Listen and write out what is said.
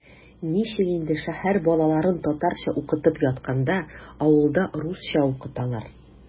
Ничек инде шәһәр балаларын татарча укытып ятканда авылда русча укыталар?!